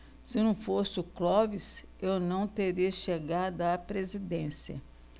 se não fosse o clóvis eu não teria chegado à presidência